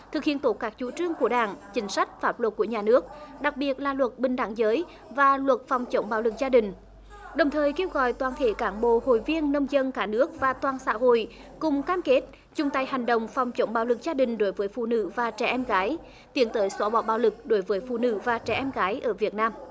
thực hiện tốt các chủ trương của đảng chính sách pháp luật của nhà nước đặc biệt là luật bình đẳng giới và luật phòng chống bạo lực gia đình đồng thời kêu gọi toàn thể cán bộ hội viên nông dân cả nước và toàn xã hội cùng cam kết chung tay hành động phòng chống bạo lực gia đình đối với phụ nữ và trẻ em gái tiến tới xóa bỏ bạo lực đối với phụ nữ và trẻ em gái ở việt nam